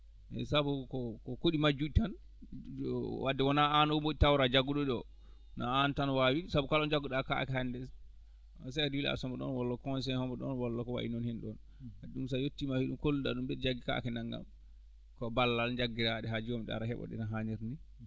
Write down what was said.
sabu ko ko ɗi majjuɗi tan wadde wonaa aan oon woodi tawra jagguɗo ɗi oo wonaa aan tan waawi sabu kala jagguɗaa kaake hannde chef de village so ne ɗoon walla conseillé omo ɗoon walla ko wayi noon heen ɗon ɗum so yettiima he ɓe kolluɗaa ɗum ɓe jaggii kaake naggam ko ballal jaggiraaɗe haa joomum ɓe ara heɓa ɗum no haanirta ni